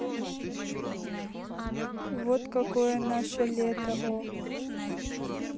вот какое наше лето о